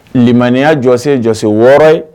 Ninmaniinya jɔse jɔse wɔɔrɔ ye